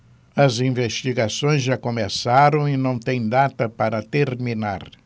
as investigações já começaram e não têm data para terminar